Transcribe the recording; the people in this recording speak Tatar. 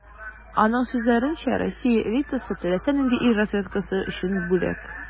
Аның сүзләренчә, Россия элитасы - теләсә нинди ил разведкасы өчен бүләк.